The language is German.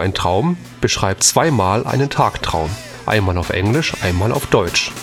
Traum beschreibt zweimal einen Tagtraum – einmal auf englisch, einmal auf deutsch